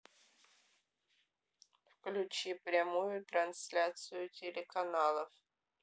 включи прямую трансляцию телеканалов